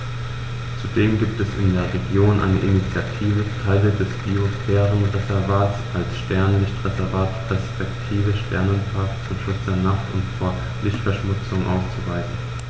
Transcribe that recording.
Zudem gibt es in der Region eine Initiative, Teile des Biosphärenreservats als Sternenlicht-Reservat respektive Sternenpark zum Schutz der Nacht und vor Lichtverschmutzung auszuweisen.